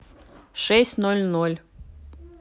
шесть ноль ноль